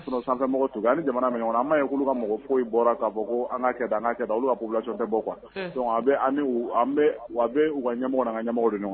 Sinon safɛ mɔgɔw tɛ an jamana min bɛ ɲɔgɔn na an man ye k'olu ka mɔgɔ foyi bɔra ka fɔ ko an ka kɛ tan an kɛ tan olu ka population tɛ bɔ quoi wa a bɛ u ka ɲɛmɔgɔw n'an ka ɲɛmɔgɔw